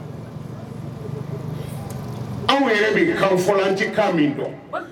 Anw yɛrɛ bɛ kan fɔla an ti kan min dɔn.